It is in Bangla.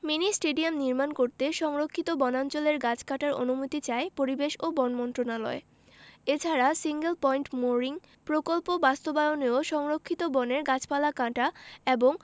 মিনি স্টেডিয়াম নির্মাণ করতে সংরক্ষিত বনাঞ্চলের গাছ কাটার অনুমতি চায় পরিবেশ ও বন মন্ত্রণালয় এছাড়া সিঙ্গেল পয়েন্ট মোরিং প্রকল্প বাস্তবায়নেও সংরক্ষিত বনের গাছপালা কাটা এবং